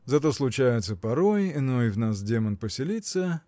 Зато случается порой Иной в нас демон поселится